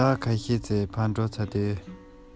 དེ རིང བྲོ བ མེད པར འགྱུར